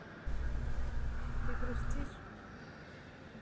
ты грустишь